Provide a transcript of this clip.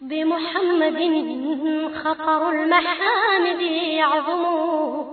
Bi Muhahamdine